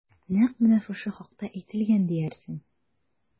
Нәкъ менә шушы хакта әйтелгән диярсең...